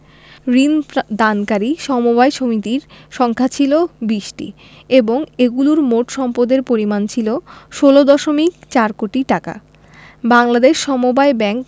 ঋণ দানকারী সমবায় সমিতির সংখ্যা ছিল ২০টি এবং এগুলোর মোট সম্পদের পরিমাণ ছিল ১৬দশমিক ৪ কোটি টাকা বাংলাদেশ সমবায় ব্যাংক